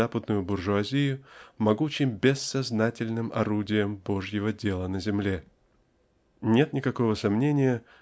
западную буржуазию могучим бессознательным орудием Божьего дела на земле. Нет никакого сомнения